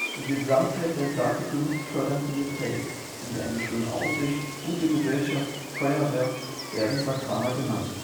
Die Gesamtheit der Sakegenuss fördernden Details wie eine schöne Aussicht, gute Gesellschaft, Feuerwerk, werden Sakana genannt